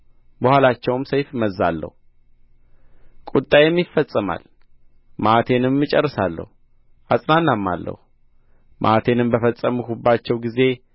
በኋላቸውም ሰይፍ እመዝዛለሁ ቍጣዬም ይፈጸማል መዓቴንም እጨርሳለሁ እጽናናማለሁ መዓቴንም በፈጸምሁባቸው ጊዜ